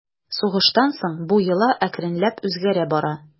Сугыштан соң бу йола әкренләп үзгәрә бара.